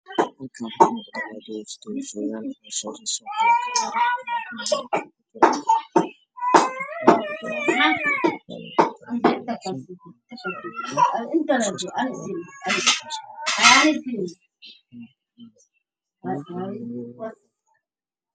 Meeshaan waxaa yaalo labo kartoon waxaa ku jiraan wax oranji ah oo gees laga cunay